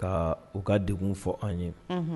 Ka u ka degkun fɔ an ye